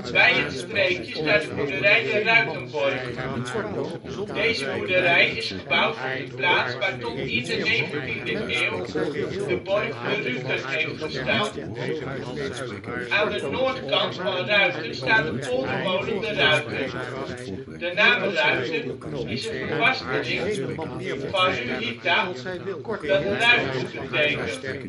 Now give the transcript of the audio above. Bij het streekje staat de boerderij de Ruitenborg. Deze boerderij is gebouwd op de plaats waar tot in de negentiende eeuw de borg De Ruthen heeft gestaan. Aan de noordkant van Ruiten staat de poldermolen De Ruiten. De naam Ruiten is een verbastering van Ruhitha, dat ruigte betekent